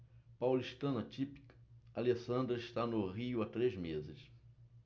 paulistana típica alessandra está no rio há três meses